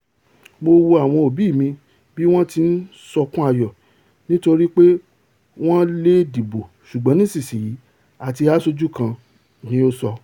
Mo wo àwọn òbí mi bí wọ́n ti ń sọkún ayọ̀ nítorí pe wọ́n leè dìbo sùgbọ́n nísinsìnyí a ti há sójú kan,'' ni o sọ.